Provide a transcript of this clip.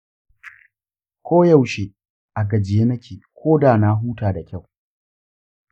koyaushe a gajiye nake koda na huta da kyau.